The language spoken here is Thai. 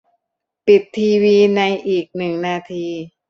ปิดทีวีในอีกหนึ่งนาที